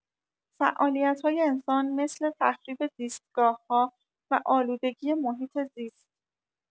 فعالیت‌های انسان مثل تخریب زیستگاه‌ها و آلودگی محیط‌زیست